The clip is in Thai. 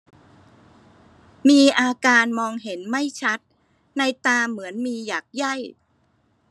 มีอาการมองเห็นไม่ชัดในตาเหมือนมีหยากไย่